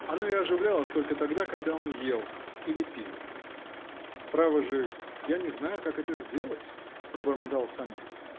оно и оживлялось только тогда, когда он ел. или пил. -- Право же. я не знаю, как это сделать? -- пробормотал Санин.